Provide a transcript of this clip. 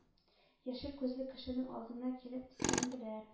Яшел күзле кешенең алдына килеп тезләнделәр.